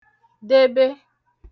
-debe